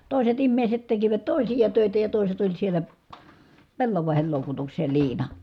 toiset ihmiset tekivät toisia töitä ja toiset oli siellä pellavaksen loukutuksessa ja liina